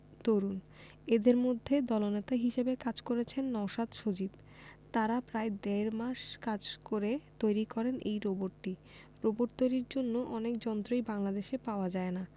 তরুণ এদের মধ্যে দলনেতা হিসেবে কাজ করেছেন নওশাদ সজীব তারা প্রায় দেড় মাস কাজ করে তৈরি করেন এই রোবটটি রোবট তৈরির জন্য অনেক যন্ত্রই বাংলাদেশে পাওয়া যায় না